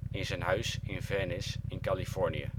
in zijn huis in Venice in Californië